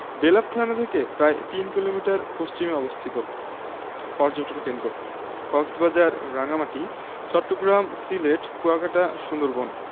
বেলাব থানা থেকে প্রায় তিন কিলোমিটার পশ্চিমে অবস্থিত পর্যটন কেন্দ্রঃ কক্সবাজার রাঙ্গামাটি চট্টগ্রাম সিলেট কুয়াকাটা সুন্দরবন